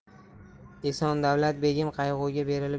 eson davlat begim qayg'uga berilib